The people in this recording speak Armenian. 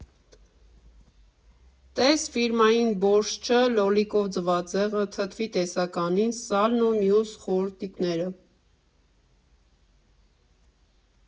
Տե՛ս ֆիրմային բորշչը, լոլիկով ձվածեղը, թթվի տեսականին, սալն ու մյուս խորտիկները։